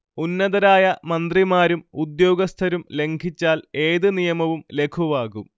ഉന്നതരായ മന്ത്രിമാരും ഉദ്യോഗസ്ഥരും ലംഘിച്ചാൽ ഏത് നിയമവും ലഘുവാകും